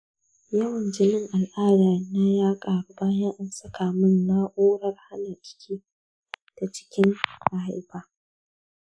yawan jinin al'ada na ya ƙaru bayan an saka min na’urar hana ciki ta cikin mahaifa.